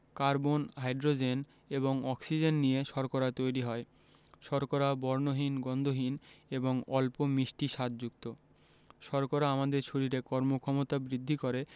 carbon hydrogen এবং oxygen নিয়ে শর্করা তৈরি হয় শর্করা বর্ণহীন গন্ধহীন এবং অল্প মিষ্টি স্বাদযুক্ত শর্করা আমাদের শরীরে কর্মক্ষমতা বৃদ্ধি করে